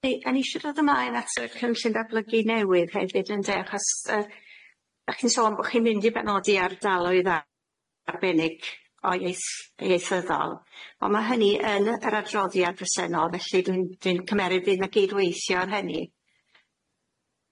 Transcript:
I- a'n i isio dodd ymlaen at y cynllun datblygu newydd hefyd ynde achos yy dach chi'n sôn bo' chi'n mynd i benodi ardaloedd a- arbennig o ieith- ieithyddol on' ma' hynny yn yr adroddiad presennol felly dwi'n dwi'n cymeryd bydd na' gydweithio ar hynny.